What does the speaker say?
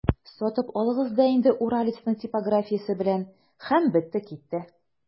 Сатып алыгыз да инде «Уралец»ны типографиясе белән, һәм бетте-китте!